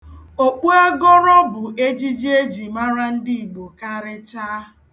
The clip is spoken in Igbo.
Okpuagọrọ bụ ejiji e ji mara ndị Igbo karịchaa.